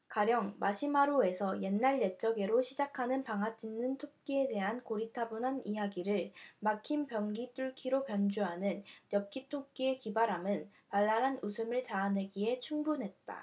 가령 마시마로 에서 옛날 옛적에 로 시작하는 방아 찧는 토끼에 대한 고리타분한 이야기를 막힌 변기뚫기로 변주하는 엽기토끼의 기발함은 발랄한 웃음을 자아내기에 충분했다